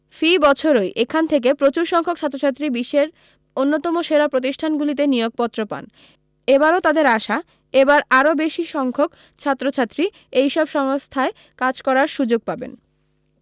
ফি বছরৈ এখান থেকে প্রচুর সংখ্যক ছাত্র ছাত্রী বিশ্বের অন্যতম সেরা প্রতিষ্ঠানগুলিতে নিয়োগপত্র পান এবারও তাদের আশা এবার আরও বেশী সংখ্যক ছাত্র ছাত্রী এই সব সংস্থায় কাজ করার সু্যোগ পাবেন